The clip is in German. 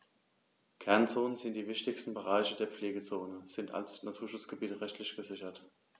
Kernzonen und die wichtigsten Bereiche der Pflegezone sind als Naturschutzgebiete rechtlich gesichert.